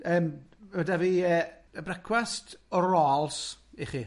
Yym, yy, da fi yy brecwast rolls i chi.